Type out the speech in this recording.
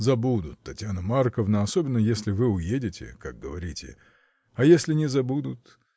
— Забудут, Татьяна Марковна, особенно если вы уедете, как говорите. А если не забудут.